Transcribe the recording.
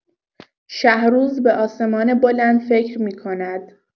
شهروز به آسمان بلند فکر می‌کند.